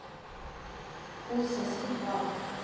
хуй соси тварь